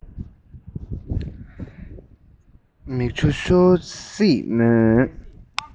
མིག ཆུ ཤོར སྲིད མོད